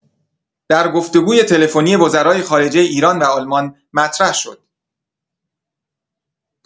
در گفت‌وگوی تلفنی وزرای خارجه ایران و آلمان مطرح شد.